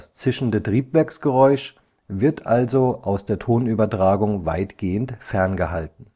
zischende Triebwerksgeräusch wird also aus der Tonübertragung weitgehend ferngehalten